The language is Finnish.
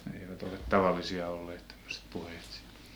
ne eivät ole tavallisia olleet tämmöiset puheet